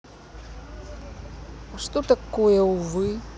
а что такое увы